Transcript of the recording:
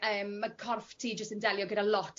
yym ma' corff ti jyst yn delio gyda lot